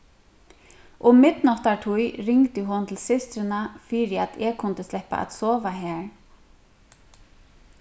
um midnáttartíð ringdi hon til systrina fyri at eg kundi sleppa at sova har